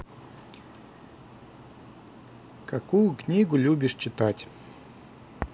какую книгу любишь читать